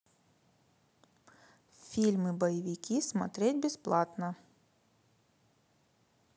фильмы боевики смотреть бесплатно